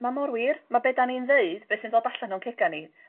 ma' mor wir ma' be' 'dan ni'n ddeud beth sy'n ddod allan o'n cega' ni